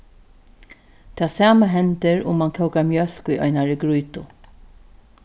tað sama hendir um mann kókar mjólk í einari grýtu